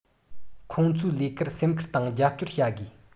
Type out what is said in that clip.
ཁོང ཚོའི ལས ཀར སེམས ཁུར དང རྒྱབ སྐྱོར བྱ དགོས